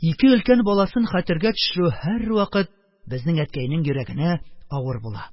Ике өлкән баласын хәтергә төшерү һәрвакыт безнең әткәйнең йөрәгенә авыр була,